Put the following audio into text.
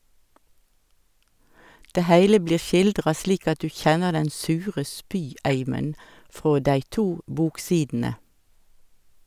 Det heile blir skildra slik at du kjenner den sure spyeimen frå dei to boksidene!